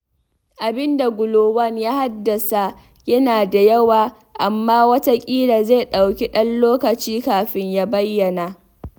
Abin da Glo-1 ya haddasa yana da yawa, amma wataƙila zai ɗauki ɗan lokaci kafin ya bayyana.